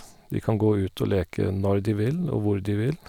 De kan gå ut og leke når de vil og hvor de vil.